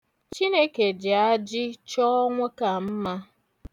Chineke ji ajị chọọ nwoke a mma.